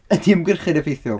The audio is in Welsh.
Ydy ymgyrchu'n effeithiol?